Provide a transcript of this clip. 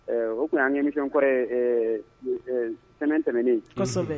O tun y' an ka emission kɔrɔ ye semaine tɛmɛnen in